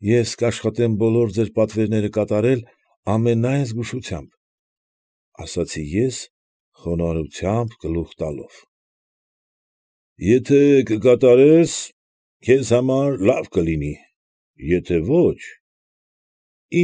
Ես կաշխատեմ բոլոր ձեր պատվերները կատարել ամենայն զգուշությամբ, ֊ ասացի ես, խոնարհությամբ գլուխ տալով։ ֊ Եթե կկատարես ֊ քեզ համար լավ կլինի, եթե ոչ ֊